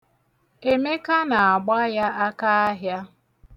Emeka na-agba ya akaahịa.